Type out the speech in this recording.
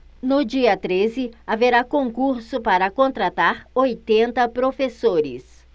no dia treze haverá concurso para contratar oitenta professores